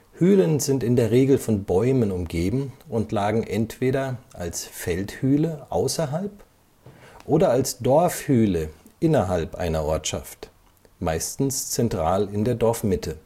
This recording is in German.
Hülen sind in der Regel von Bäumen umgeben und lagen entweder als Feldhüle außerhalb oder als Dorfhüle innerhalb einer Ortschaft – meistens zentral in der Dorfmitte